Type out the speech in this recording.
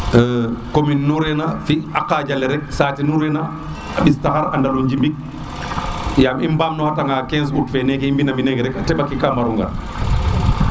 hum commune nu re na a qaja rek sate nu ref na a ɓis taxar a ndalo njibin yam i mbanor taxa 15 Aout fe neke i mbi na mbina neke rek a teɓa ke ka ɓar u ngar